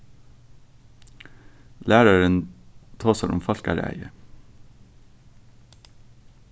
lærarin tosar um fólkaræði